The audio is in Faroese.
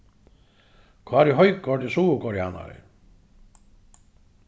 kári højgaard er suðurkoreanari